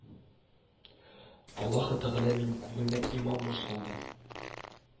Аллаһы Тәгалә минем күңелемә иман нуры салды